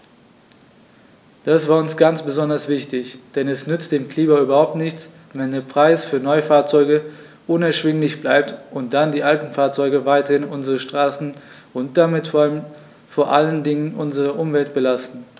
Das war uns ganz besonders wichtig, denn es nützt dem Klima überhaupt nichts, wenn der Preis für Neufahrzeuge unerschwinglich bleibt und dann die alten Fahrzeuge weiterhin unsere Straßen und damit vor allen Dingen unsere Umwelt belasten.